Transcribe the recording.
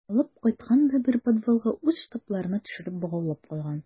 Алып кайткан да бер подвалга үз штабларына төшереп богаулап куйган.